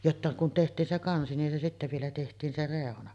jotta kun tehtiin se kansi niin se sitten vielä tehtiin se reuna